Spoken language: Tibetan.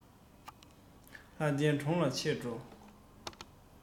ལྷ ལྡན གྲོང ལ ཆས འགྲོ